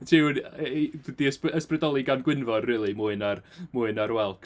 Tiwn yy i- 'di ysbry- ysbrydoli gan Gwynfor rili mwy na'r mwy na'r whelks.